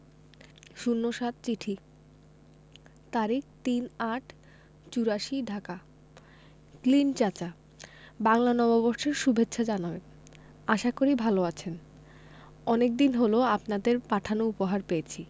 ০৭ চিঠি তারিখ ৩-৮-৮৪ ঢাকা ক্লিন্ট চাচা বাংলা নববর্ষের সুভেচ্ছা জানাবেন আশা করি ভালো আছেন অনেকদিন হল আপনাদের পাঠানো উপহার পেয়েছি